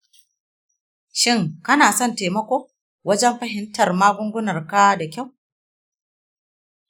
shin kana son taimako wajen fahimtar magungunanka da kyau?